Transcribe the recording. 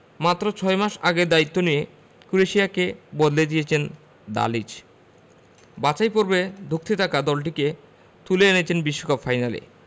মাত্র ৯ মাস আগে দায়িত্ব নিয়ে ক্রোয়েশিয়াকে বদলে দিয়েছেন দালিচ বাছাই পর্বে ধুঁকতে থাকা দলটিকে তুলে এনেছেন বিশ্বকাপ ফাইনালে